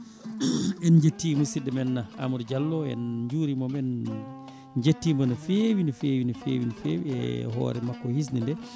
en jetti musidɗo Amadou Diallo en juurimomo en jettimo no fewi no fewi no fewi no fewi e hoore makko hisde nde